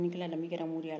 moriya ɲɛna a bolo